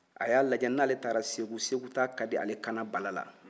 a y'a lajɛ n'ale taara segu segu taa ka di ale kana bala la